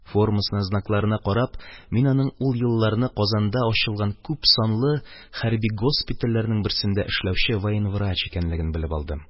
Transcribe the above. Формасына, знакларына карап, мин аның ул елларны Казанда ачылган күпсанлы хәрби госпитальләрнең берсендә эшләүче военврач икәнлеген белеп алдым,